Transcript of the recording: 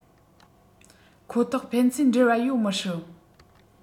ཁོ ཐག ཕན ཚུན འབྲེལ བ ཡོད མི སྲིད